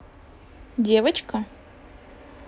девочка